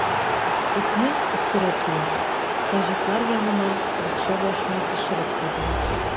Этне, өстерәп диярлек, таҗиклар янына, бакча башына төшереп куйдылар.